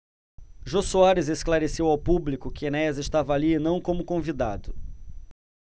jô soares esclareceu ao público que enéas estava ali não como convidado